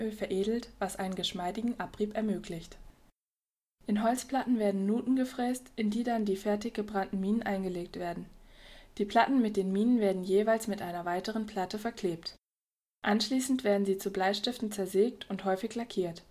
veredelt, was einen geschmeidigen Abrieb ermöglicht. In Holzplatten werden Nuten gefräst, in die dann die fertig gebrannten Minen eingelegt werden. Die Platten mit den Minen werden jeweils mit einer weiteren Platte verklebt. Anschließend werden sie zu Bleistiften zersägt und häufig lackiert